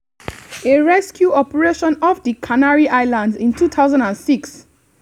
A rescue operation off the Canary Islands in 2006.